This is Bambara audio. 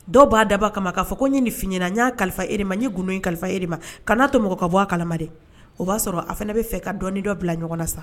Dɔw yɛrɛ b'a dabɔ a ka ma k'a fɔ ko ye nin f'i ɲɛnana, n ye kalifa e de ma, n ye gundo in kalifa i ma ma ka n'a to mɔgɔ ka bɔ a kalama dɛ, o b'a sɔrɔ a fana bɛ fɛ ka dɔ ni dɔ bila ɲɔgɔn na sa